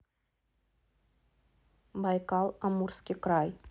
байкал амурский край